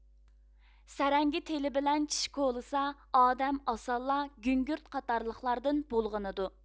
سەرەڭگە تېلى بىلەن چېش كولىسا ئادەم ئاسانلا گۈڭگۈرت قاتارلىقلاردىن بۇلغىنىدۇ